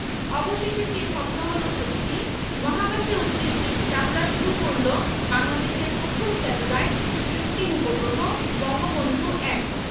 অবশেষে সেই স্বপ্ন হলো সত্যি মহাকাশের উদ্দেশে যাত্রা শুরু করল বাংলাদেশের প্রথম স্যাটেলাইট কৃত্রিম উপগ্রহ বঙ্গবন্ধু ১